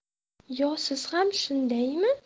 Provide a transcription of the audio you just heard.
yo siz ham shundaymi